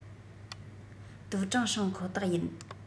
ཏུའུ ཀྲེང ཧྲེང ཁོ ཐག ཡིན